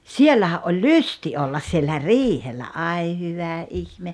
siellähän oli lysti olla siellä riihellä ai hyvä ihme